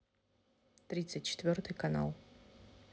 тридцать четвертый канал